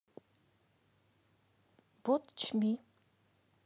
вотч ми